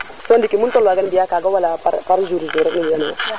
so ndiiki mun tolwa kan mbiya kaga wala pour jour jour nu mbiyano yo